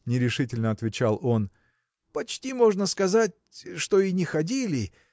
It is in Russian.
– нерешительно отвечал он, – почти можно сказать, что и не ходили.